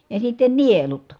ja sitten nielut